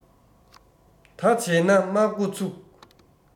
ད བྱས ན དམག སྒོ ཚུགས